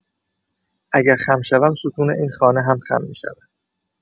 اگر خم شوم ستون این خانه هم خم می‌شود.